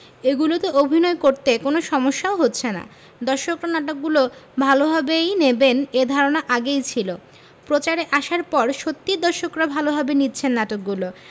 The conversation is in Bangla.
এগুলোতে অভিনয় করতে কোনো সমস্যাও হচ্ছে না দর্শকরা নাটকগুলো ভালোভাবেই নেবেন এ ধারণা আগেই ছিল প্রচারে আসার পর সত্যিই দর্শকরা ভালোভাবে নিচ্ছেন নাটকগুলো